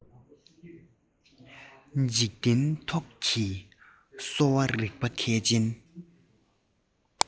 འཇིག རྟེན ཐོག གི གསོ བ རིག པ མཁས ཅན